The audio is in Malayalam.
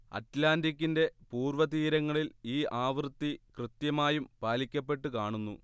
അറ്റ്ലാന്റിക്ക്കിന്റെ പൂർവതീരങ്ങളിൽ ഈ ആവൃത്തി കൃത്യമായും പാലിക്കപ്പെട്ടു കാണുന്നു